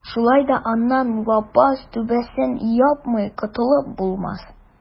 Шулай да аннан лапас түбәсен япмый котылып булмас.